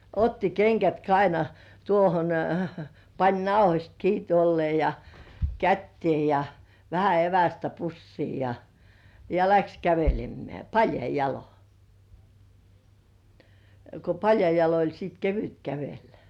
otti kengät - tuohon pani nauhoista kiinni tuolla lailla ja käteen ja vähän evästä pussiin ja ja lähti kävelemään paljain jaloin kun paljain jaloin oli sitten kevyt kävellä